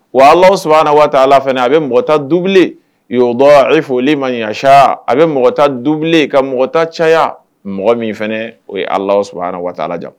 Wa Ala hu subahana watala fana a bɛ mɔgɔ ta double a bɛ mɔgɔ ta double ka mɔgɔ ta caya mɔgɔ min fɛnɛ o ye Ala hu subahana watala ja.